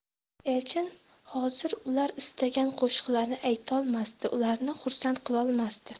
elchin hozir ular istagan qo'shiqlarni aytolmasdi ularni xursand qilolmasdi